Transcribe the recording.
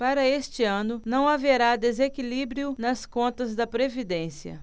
para este ano não haverá desequilíbrio nas contas da previdência